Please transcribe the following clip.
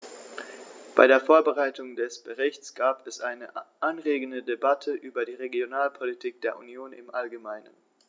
Bei der Vorbereitung des Berichts gab es eine anregende Debatte über die Regionalpolitik der Union im allgemeinen.